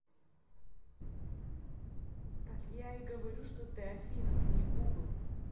так я и говорю что ты афина ты не google